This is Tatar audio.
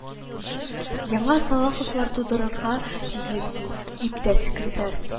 Яңа Салаховлар тудырырга тиеш син, иптәш секретарь